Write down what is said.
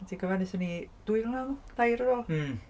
Ti'n cofio wnaethon ni, dwy flynedd yn ôl dair ar ôl?...Mmm.